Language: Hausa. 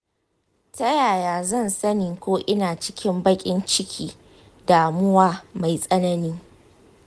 ta yaya zan sani ko ina cikin baƙin ciki/damuwa mai tsanani?